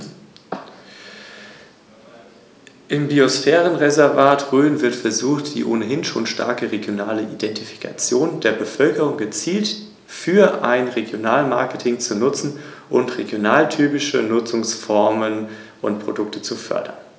Damit beherrschte Rom den gesamten Mittelmeerraum.